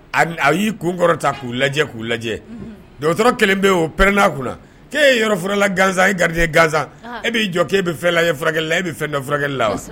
A y'i kun kɔrɔta k'u lajɛ k'u lajɛ dɔgɔtɔrɔ kelen bɛ o pɛrnaa kunna'e ye yɔrɔorola ganzsan garidi ganzsan e b'i jɔ k'e bɛ fɛla furakɛ la e bɛ fɛ dɔ furakɛli la wa